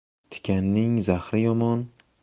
tikanning zahri yomon